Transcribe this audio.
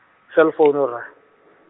cell phone ra.